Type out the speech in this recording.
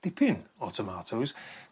dipyn o tomatos